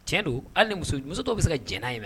Tiɲɛ don hali muso musotɔ bɛ se jɛnɛ ye